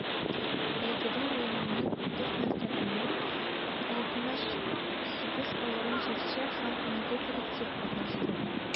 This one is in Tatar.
Бәйгедә районның 14 мәктәбеннән 68 аерым җырчы һәм 12 коллектив катнашты.